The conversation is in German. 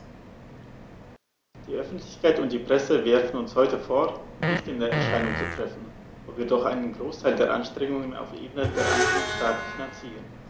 Die Öffentlichkeit und die Presse werfen uns heute vor, nicht in Erscheinung zu treten, wo wir doch einen Großteil der Anstrengungen auf Ebene der einzelnen Staaten finanzieren.